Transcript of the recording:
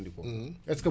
non noonu ngeen koy defee